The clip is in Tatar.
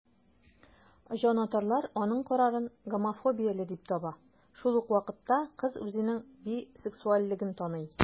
Җанатарлар аның карарын гомофобияле дип таба, шул ук вакытта кыз үзенең бисексуальлеген таный.